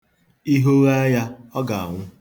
I hoghaa ya, ọ ga-anwụ.